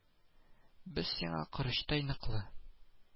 Без сиңа корычтай ныклы